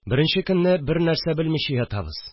Беренче көнне бернәрсә белмичә ятабыз